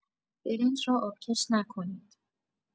برنج را آبکش نکنید.